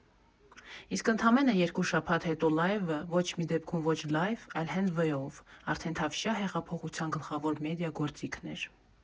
Իսկ ընդամենը երկու շաբաթ հետո լայվը (ոչ մի դեպքում ոչ «լայֆ», այլ հենց վ֊ով) արդեն Թավշյա հեղափոխության գլխավոր մեդիա֊գործիքն էր։